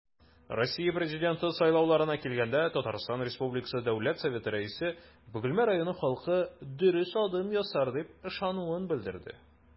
Россия Президенты сайлауларына килгәндә, ТР Дәүләт Советы Рәисе Бөгелмә районы халкы дөрес адым ясар дип ышануын белдерде.